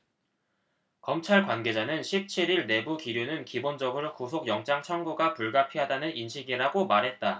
검찰 관계자는 십 칠 일 내부 기류는 기본적으로 구속영장 청구가 불가피하다는 인식이라고 말했다